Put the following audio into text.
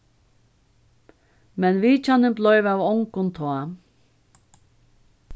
men vitjanin bleiv av ongum tá